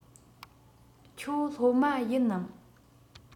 ཁྱོད སློབ མ ཡིན ནམ